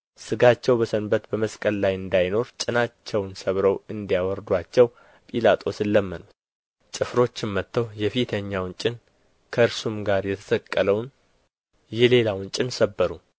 ሥጋቸው በሰንበት በመስቀል ላይ እንዳይኖር ጭናቸውን ሰብረው እንዲያወርዱአቸው ጲላጦስን ለመኑት ጭፍሮችም መጥተው የፊተኛውን ጭን ከእርሱም ጋር የተሰቀለውን የሌላውን ጭን ሰበሩ